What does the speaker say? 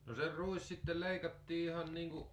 no se ruis sitten leikattiin ihan niin kuin